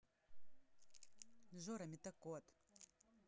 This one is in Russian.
жора метакод